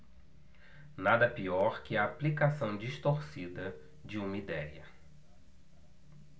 nada pior que a aplicação distorcida de uma idéia